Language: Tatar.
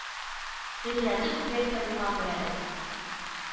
Гыйбрәте күбрәк тә булгандыр әле